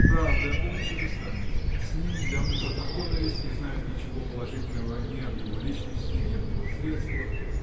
Правда: он чужестранец, с ним недавно познакомились, не знают ничего положительного ни об его личности, ни об его средствах